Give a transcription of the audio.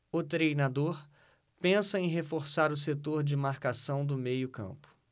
o treinador pensa em reforçar o setor de marcação do meio campo